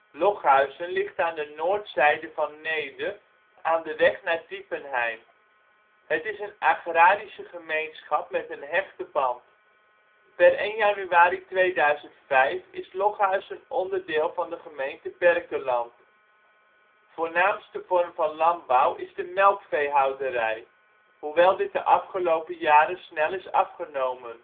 ligt aan de noordzijde van Neede aan de weg naar Diepenheim. Het is een agrarische gemeenschap met een hechte band. Per 1 januari 2005 is Lochuizen onderdeel van de gemeente Berkelland. Voornaamste vorm van landbouw is de melkveehouderij, hoewel dit de afgelopen jaren snel is afgenomen